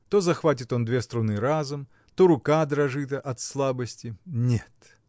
То захватит он две струны разом, то рука дрожит от слабости: нет!